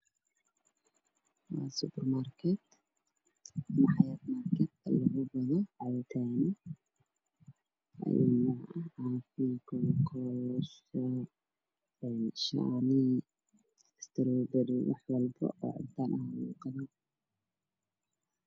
Waa subur markeed ama hayad markeed oo lagu gado cabitano ayuu nuuc ah cafi kola kolo een shani istaroobaei wax walboo oo cabitanahaa lagu gadaa